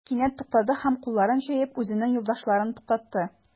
Кинәт туктады һәм, кулларын җәеп, үзенең юлдашларын туктатты.